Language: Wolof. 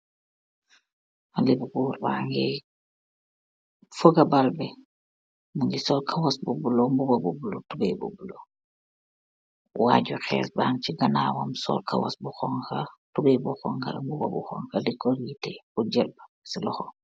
Haleh bu gorr bangeh foga bal bi, mungi sol kawas bu blue mbuba bu blue tubeh bu blue. Waju khes bang chi ganawam sol kawas bu khonxa, tubeh bu khonxa mbuba bu khonxa di ko riteh pur jel bal bi chi lokhowam.